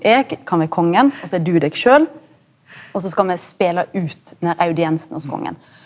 eg kan vere kongen og så er du deg sjølv, og så skal me spela ut den audiensen hos kongen.